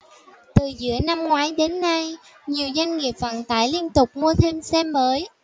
từ giữa năm ngoái đến nay nhiều doanh nghiệp vận tải liên tục mua thêm xe mới